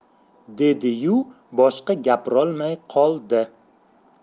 dedi yu boshqa gapirolmay qoldi